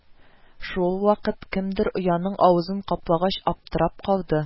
Шул вакыт кемдер ояның авызын каплагач, аптырап калды: